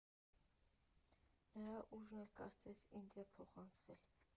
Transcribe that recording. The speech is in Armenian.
Նրա ուժն էլ կարծես ինձ է փոխանցվել։